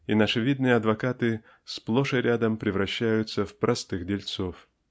и наши видные адвокаты сплошь и рядом превращаются в простых дельцов.